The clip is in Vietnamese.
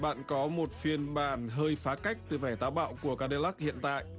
bạn có một phiên bản hơi phá cách từ vẻ táo bạo của ca đi lắc hiện tại